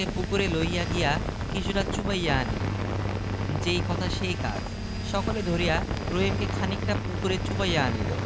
কি করিয়াছি শীগগীর বল বউ যেন আকাশ হইতে পড়িল এমনি ভাব দেখাইয়া বলিল কই মাছ কোথায়